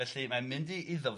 Felly, mae'n mynd i i Ddyfed,